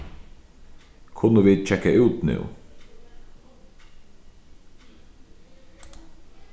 kunnu vit kekka út nú